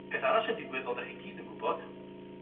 Peth arall sy'n digwydd fel 'dach chi i gyd yn gwbod,